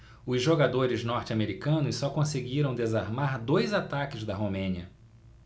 os jogadores norte-americanos só conseguiram desarmar dois ataques da romênia